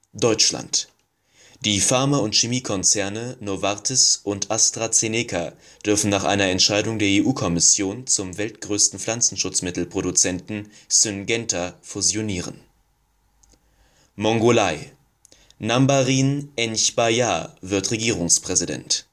Deutschland: Die Pharma - und Chemiekonzerne Novartis und AstraZeneca dürfen nach einer Entscheidung der EU-Kommission zum neuen weltgrößten Pflanzenschutzmittel-Produzenten Syngenta fusionieren. Mongolei: Nambaryn Enchbajar wird Regierungspräsident